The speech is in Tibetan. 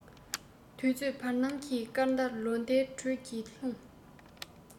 དུས ཚོད བར སྣང གི སྐར མདའ ལོ ཟླའི འགྲོས ཀྱིས ལྷུང